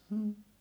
mm